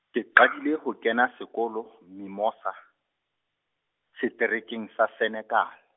ke qadile ho kena sekolo, Mimosa, seterekeng sa Senekal.